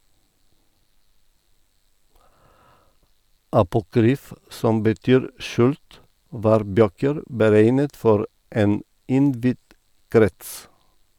Apokryf, som betyr skjult, var bøker beregnet for en innvidd krets.